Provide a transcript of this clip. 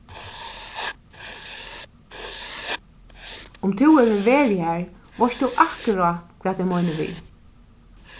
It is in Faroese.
um tú hevur verið har veitst tú akkurát hvat eg meini við